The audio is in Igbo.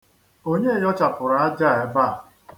Onye yọchapụrụ aja a ebe a.